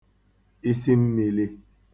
isi mmīlī